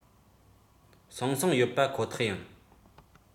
སངས སོང ཡོད པ ཁོ ཐག ཡིན